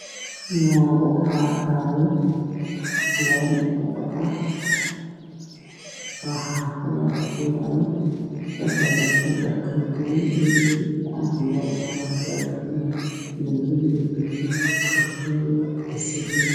Naago xaaqaayo meel wado ah